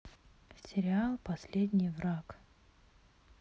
сериал последний враг